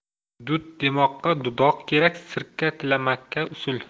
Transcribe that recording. dud demoqqa dudoq kerak sirka tilamakka usul